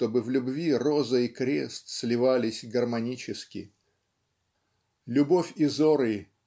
чтобы в любви роза и крест сливались гармонически. Любовь Изоры